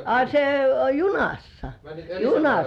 a se oli junassa junassa